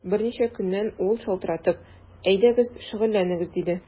Берничә көннән ул шалтыратып: “Әйдәгез, шөгыльләнегез”, диде.